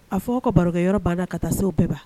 A fɔ aw ka barokɛ yɔrɔ banna ka taa se bɛɛ ma?